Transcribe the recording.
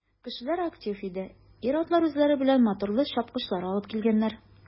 Кешеләр актив иде, ир-атлар үзләре белән моторлы чапкычлар алыпн килгәннәр.